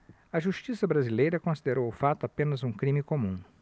a justiça brasileira considerou o fato apenas um crime comum